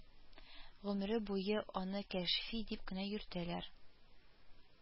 Гомере буе аны Кәшфи дип кенә йөртәләр